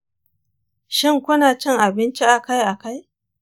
shin ku na cin abinci akai-akai